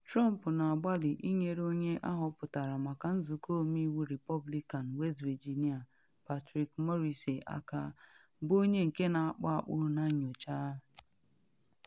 Trump na-agbali ịnyere onye ahọpụtara maka Nzụkọ Ọmeiwu Repọblikan West Virginia Patrick Morrisey aka, bụ onye nke na-akpụ akpụ na nyocha.